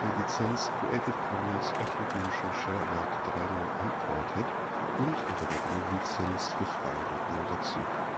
Lizenz Creative Commons Attribution Share Alike 3 Punkt 0 Unported und unter der GNU Lizenz für freie Dokumentation